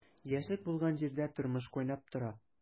Яшьлек булган җирдә тормыш кайнап тора.